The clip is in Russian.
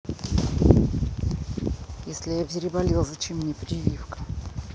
если я переболел зачем мне прививка